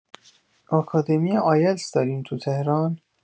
آکادمی ایلتس داریم تو تهران؟